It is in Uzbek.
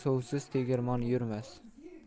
suvsiz tegirmon yurmas